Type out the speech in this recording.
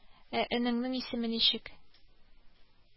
Алар поездга таба ашыктылар.